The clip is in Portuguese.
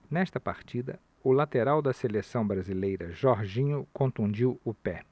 nesta partida o lateral da seleção brasileira jorginho contundiu o pé